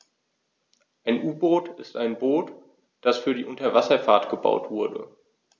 Ein U-Boot ist ein Boot, das für die Unterwasserfahrt gebaut wurde.